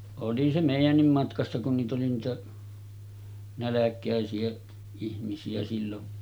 oli se meidänkin matkassa kun niitä oli niitä nälkäisiä ihmisiä silloin